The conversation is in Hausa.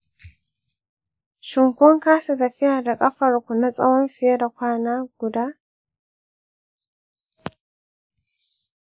shin kun kasa tafiya da kafar ku na tsawon fiye da kwana guda?